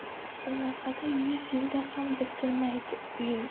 bunaqada yuz yilda ham bitmaydi uying